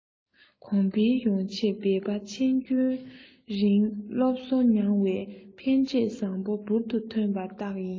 གོང འཕེལ ཡོང ཕྱིར འབད པ ཆེན རྒྱུན རིང སློབ གསོ མྱངས པའི ཕན འབྲས བཟང པོ འབུར དུ ཐོན པའི རྟགས ཡིན